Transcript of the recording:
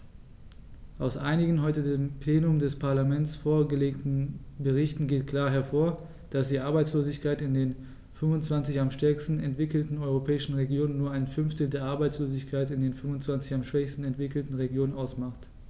Aus einigen heute dem Plenum des Parlaments vorgelegten Berichten geht klar hervor, dass die Arbeitslosigkeit in den 25 am stärksten entwickelten europäischen Regionen nur ein Fünftel der Arbeitslosigkeit in den 25 am schwächsten entwickelten Regionen ausmacht.